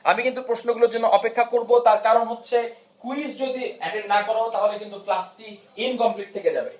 আমি কিন্তু প্রশ্ন গুলোর জন্য অপেক্ষা করবো তার কারণ হচ্ছে কুইজ যদি এটেন্ড না কর তাহলে কিন্তু ক্লাস টি ইনকমপ্লিট থেকে যাবে